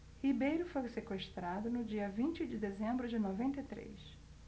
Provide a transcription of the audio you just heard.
ribeiro foi sequestrado no dia vinte de dezembro de noventa e três